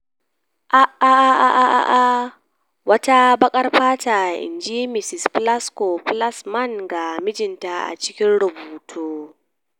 “a’aaaaaaaaaaaaaa WATA BAKAR FATA,” in ji Misis Plasco-Flaxman ga mijinta a cikin rubutu.